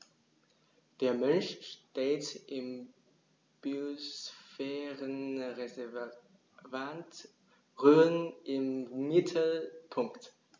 Der Mensch steht im Biosphärenreservat Rhön im Mittelpunkt.